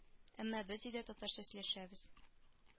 Әмма без өйдә татарча сөйләшәбез